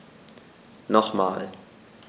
Nochmal.